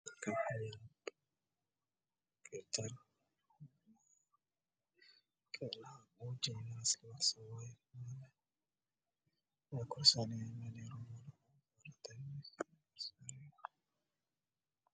Meshan waxaa yaalo labo dhalo